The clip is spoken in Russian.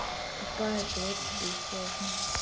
тупая ты вот тебе и сложно